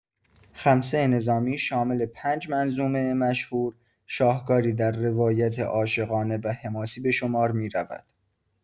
خمسه نظامی، شامل پنج منظومه مشهور، شاهکاری در روایت عاشقانه و حماسی به شمار می‌رود.